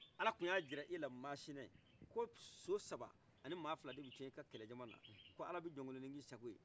ala tun ya jir' ela macina ko so saba ani mɔgɔ fila de be to i ka kɛlɛ jamanna k' ala bi jɔnkoloni k' i sagoye